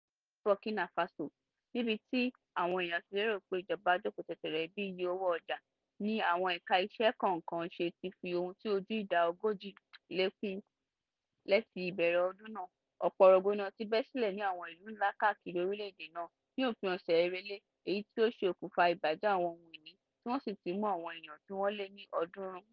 Ní Burkina Faso, níbi tí àwọn èèyàn ti lérò pé ìjọba jókòó tẹtẹrẹ bí iye owó ọjà ní àwọn ẹ̀ka-iṣẹ́ kọ̀ọ̀kan ṣe ti fi ohun tí ó ju ìdá 40% lékún láti ìbẹ̀rẹ̀ ọdún náà, ọ̀pọ̀ rògbòdìyàn ti bẹ́ sílẹ̀ ní àwọn ìlú ńlá káàkiri orílẹ̀-èdè náà ní òpin oṣù Èrèlé, èyí tí ó ṣe okùnfà ìbàjẹ́ àwọn ohun ìní tí wọ́n sì ti mú àwọn èèyàn tí wọ́n lé ní 300.